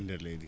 ndeer leydi